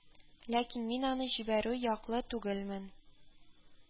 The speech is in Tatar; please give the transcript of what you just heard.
Ләкин мин аны җибәрү яклы түгелмен